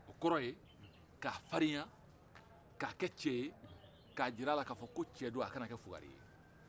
o kɔrɔ ye ka farinya k'a kɛ cɛ ye k'a jira a la ka fo ko cɛ don kana kɛ fugari ye